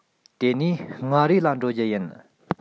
དེ ནས མངའ རིས ལ འགྲོ རྒྱུ ཡིན